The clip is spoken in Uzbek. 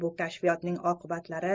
bu kashfiyotning oqibatlari